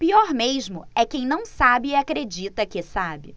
pior mesmo é quem não sabe e acredita que sabe